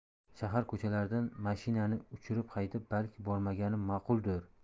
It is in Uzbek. shahar ko'chalaridan mashinani uchirib haydab balki bormaganim ma'quldir